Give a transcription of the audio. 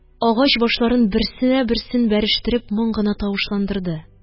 Агач башларын берсенә берсен бәрештереп, моң гына тавышландырды